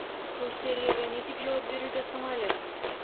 Кәүсәриягә ни дип җавап бирергә соң әле?